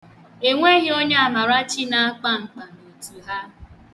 Enweghị onye Amarachi na-akpa mkpa n'otu ha.